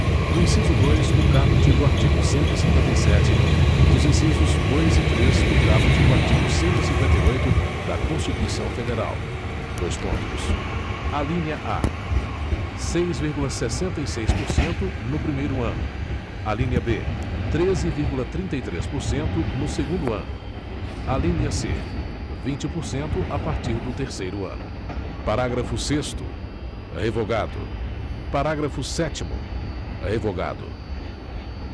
do inciso dois do caput do artigo cento e cinquenta e sete e dos incisos dois e três do caput do artigo cento e cinquenta e oito da constituição federal dois pontos alínea a seis inteiros e sessenta e seis centésimos por cento no primeiro ano alínea b treze inteiros e trinta e três centésimos por cento no segundo ano alínea c vinte por cento a partir do terceiro ano parágrafo sexto revogado parágrafo sétimo revogado artigo com redação dada pela emenda constitucional número cinquenta e três de dois mil e seis